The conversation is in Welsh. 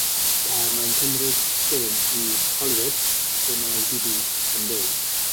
s- a mae'n cymryd trên i Hollywood lle mae Di Bi yn byw.